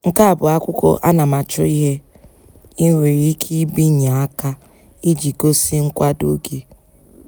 Nke a bụ akwụkwọ anamachọihe ị nwere ike ịbinye aka iji gosi nkwado gị.